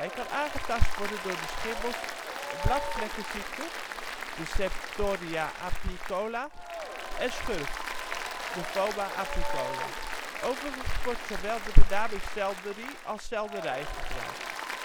kan aangetast worden door de schimmels bladvlekkenziekte (Septoria apiicola) en schurft (Phoma apiicola). Overigens wordt zowel de benaming selderie als selderij gebruikt